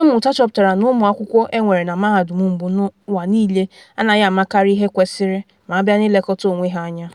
Onye mmụta chọpụtara na ụmụ akwụkwọ enwere na Mahadum mbu n’ụwa niile anaghị amakarị ihe kwesịrị ma abịa n’ilekọta onwe ha anya.